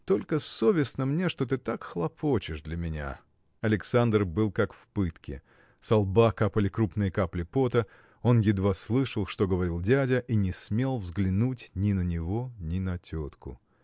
Только совестно мне, что ты так хлопочешь для меня. Александр был как в пытке. Со лба капали крупные капли пота. Он едва слышал что говорил дядя и не смел взглянуть ни на него ни на тетку.